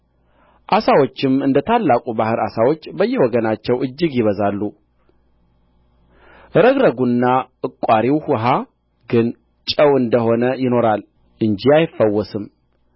ዓሣዎችም እንደ ታላቁ ባሕር ዓሣዎች በየወገናቸው እጅግ ይበዛሉ እረግረጉና እቋሪው ውኃ ግን ጨው እንደ ሆነ ይኖራል እንጂ አይፈወስም